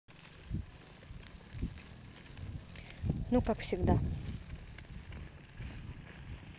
ну как всегда